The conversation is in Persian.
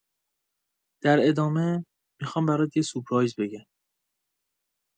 در ادامه، می‌خوام برات یه سورپرایز بگم.